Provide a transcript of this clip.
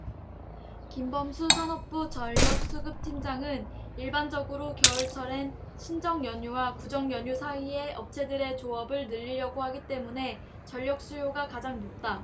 김범수 산업부 전력수급팀장은 일반적으로 겨울철엔 신정연휴와 구정연휴 사이에 업체들이 조업을 늘리려고 하기 때문에 전력수요가 가장 높다